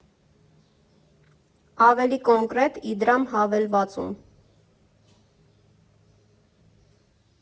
Ավելի կոնկրետ՝ Իդրամ հավելվածում։